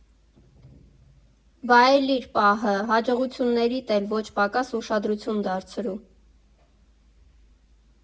Վայելիր պահը, հաջողություններիդ էլ ոչ պակաս ուշադրություն դարձրու։